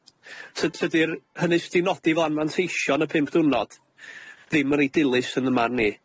Ty- tydi'r hynny sy' 'di nodi fel anfanteision y pump dwrnod ddim yn rei dilys yn 'y marn i.